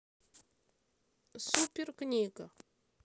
супер книга